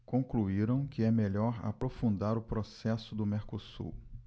concluíram que é melhor aprofundar o processo do mercosul